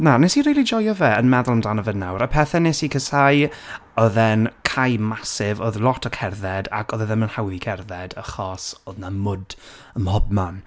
Na, wnes i rili joio fe, yn meddwl amdano fe nawr, y pethe wnes i casáu, oedd e'n cae massive, oedd lot o cerdded, ac oedd e ddim yn hawdd i gerdded, achos oedd 'na mwd ym mhob man.